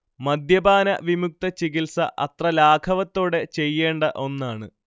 മദ്യപാന വിമുക്തചികിത്സ അത്ര ലാഘവത്തോടെ ചെയ്യേണ്ട ഒന്നാണ്